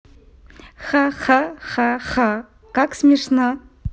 ха ха ха ха как смешно